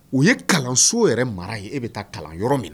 U ye kalanso yɛrɛ mara ye e bɛ taa kalan yɔrɔ min na